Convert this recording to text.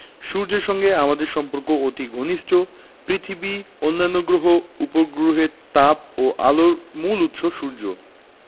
সূর্যের সঙ্গে আমাদের সম্পর্ক অতি ঘনিষ্ট পৃথিবী অন্যান্য গ্রহ উপগ্রহের তাপ ও আলোর মূল উৎস সূর্য